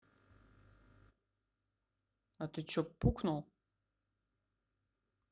а ты че пукнул